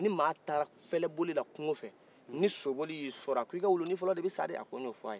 ni maa taara fɛlɛ bolila kungo fɛ ni soboli y'i sɔrɔ a ko i ka wuluni fɔlɔ de bɛ sa dɛ